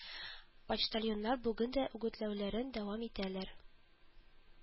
Почтальоннар бүген дә үгетләүләрен дәвам итәләр